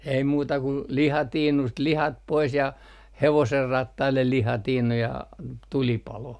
ei muuta kuin lihatiinusta lihat pois ja hevosenrattaille lihatiinu ja tulipaloon